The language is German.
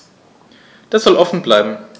Das soll offen bleiben.